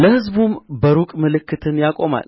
ለአሕዛብም በሩቅ ምልክትን ያቆማል